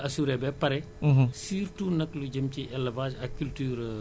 donc ñoom du ñu joxe crédit sax jaaruñu ci assurance